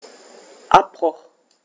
Abbruch.